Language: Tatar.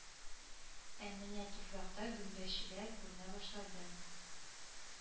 Ә менә туфракта гөмбәчекләр күренә башласа